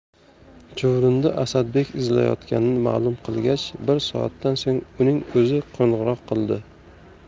chuvrindi asadbek izlayotganini ma'lum qilgach bir soatdan so'ng uning o'zi qo'ng'iroq qildi